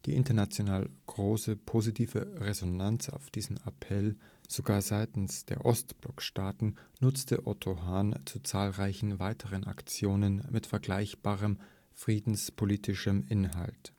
international große positive Resonanz auf diesen Appell, sogar seitens der Ostblock-Staaten, nutzte Otto Hahn zu zahlreichen weiteren Aktionen mit vergleichbarem friedenspolitischem Inhalt